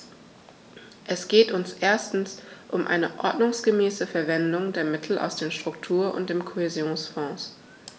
Es geht uns erstens um eine ordnungsgemäße Verwendung der Mittel aus den Struktur- und dem Kohäsionsfonds.